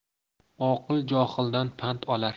oqil johildan pand olar